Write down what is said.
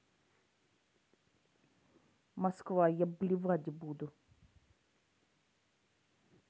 москва я блевать буду